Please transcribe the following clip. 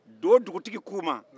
do dugutigi k'u ma